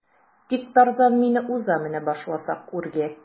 Тик Тарзан мине уза менә башласак үргә.